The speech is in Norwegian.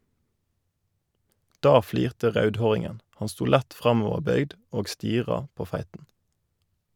Da flirte raudhåringen; han sto lett framoverbøygd og stira på feiten.